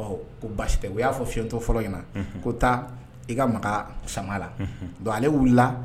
Ɔ ko basi tɛ u y'a fɔ fiyentɔ fɔlɔ ɲɛna unhun ko taa i ka magaa sama la unhun donc ale wulila